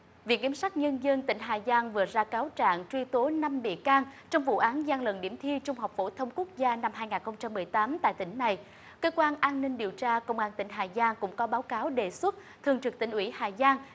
viện kiểm sát nhân dân tỉnh hà giang vừa ra cáo trạng truy tố năm bị can trong vụ án gian lận điểm thi trung học phổ thông quốc gia năm hai ngàn không trăm mười tám tại tỉnh này cơ quan an ninh điều tra công an tỉnh hà giang cũng có báo cáo đề xuất thường trực tỉnh ủy hà giang